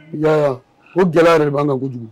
Yaa ko gɛlɛya yɛrɛ b' ka kojugu